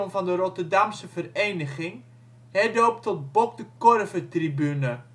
van de Rotterdamse vereniging, herdoopt tot Bok de Korvertribune